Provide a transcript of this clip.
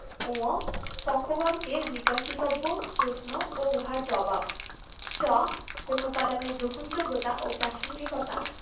ঙ পক্ষগণকে জিজ্ঞাসিতব্য প্রশ্ন ও উহার জবাব চ কোন উপাদানের গ্রহণযোগ্যতা ও প্রাসংগিকতা